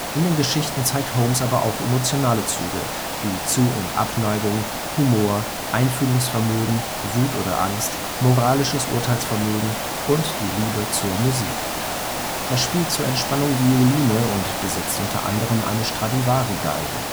In den Geschichten zeigt Holmes aber auch emotionale Züge wie Zu - und Abneigungen, Humor, Einfühlungsvermögen, Wut oder Angst, moralisches Urteilsvermögen und die Liebe zur Musik. Er spielt zur Entspannung Violine und besitzt unter anderem eine Stradivari-Geige